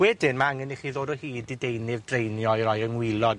Wedyn ma' angen i chi ddod o hyd i deunydd draenio i roi yng ngwylod